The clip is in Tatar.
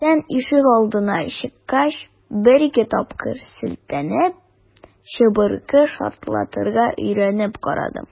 Иртән ишегалдына чыккач, бер-ике тапкыр селтәнеп, чыбыркы шартлатырга өйрәнеп карадым.